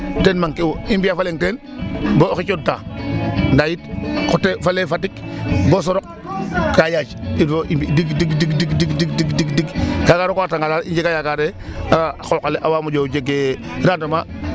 I mbi'a fa leŋ teen bo oxey cooxta ndaa yit xote fale Fatick bo Sorokh ka yaaj il faut i mbi dig dig dig dig dig ka rokatanga daal i njega yakaar ee a qooq ale a waa moƴo jeg rendement.